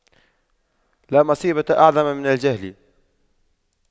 لا مصيبة أعظم من الجهل